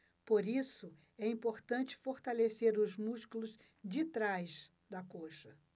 por isso é importante fortalecer os músculos de trás da coxa